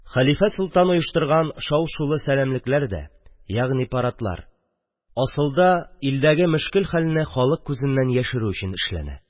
Хәлифә-солтан оештырган шау-шулы сәләмлекләр дә, ягъни парадлар асылда илдәге мөшкел хәлне халык күзеннән яшерү өчен эшләнә